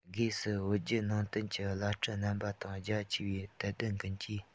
སྒོས སུ བོད བརྒྱུད ནང བསྟན གྱི བླ སྤྲུལ རྣམ པ དང རྒྱ ཆེ བའི དད ལྡན ཀུན གྱིས